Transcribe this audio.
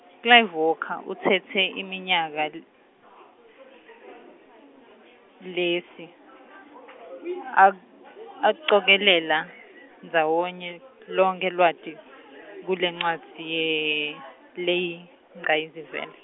Clive Walker, utsetse iminyaka l- , lesi, ac- acokelela, ndzawonye, lonkhe lwati, kulencwadzi ye, leyingcayizivela.